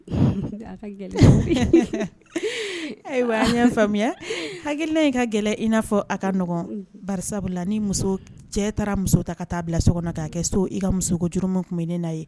Ayiwa an y' faamuya hakili ka gɛlɛ i n'a fɔ a ka la ni muso cɛ taara muso ta ka taa bila so kɔnɔ'a kɛ so i ka muso ko juruma tun bɛ ne na ye